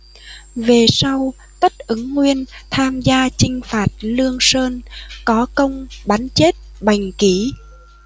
về sau tất ứng nguyên tham gia chinh phạt lương sơn có công bắn chết bành kỷ